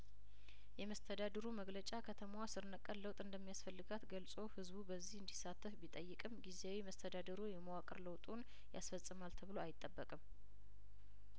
የመስተዳድሩ መግለጫ ከተማዋ ስር ነቀል ለውጥ እንደሚያስፈልጋት ገልጾ ህዝቡ በዚህ እንዲሳተፍ ቢጠይቅም ጊዜያዊ መስተዳድሩ የመዋቅር ለውጡን ያስፈጽማል ተብሎ አይጠበቅም